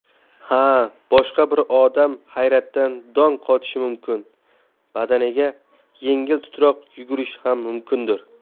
ha boshqa bir odam hayratdan dong qotishi mumkin badaniga yengil titroq yugurishi ham mumkindir